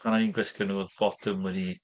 Pan o'n i'n gwisgo nhw oedd botwm wedi...